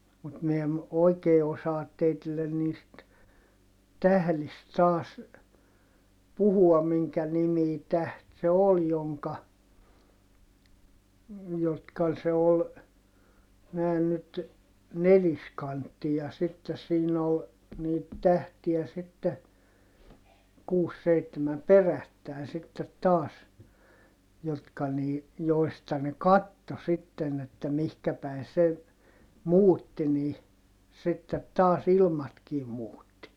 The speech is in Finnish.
mutta minä en oikein osaa teille niistä tähdistä taas puhua minkä nimisiä tähtiä se oli jonka jotka se oli näin nyt neliskantti ja sitten siinä oli niitä tähtiä sitten kuusi seitsemän perättäin sitten taas jotka niin joista ne katsoi sitten että mihin päin se muutti niin sitten taas ilmatkin muutti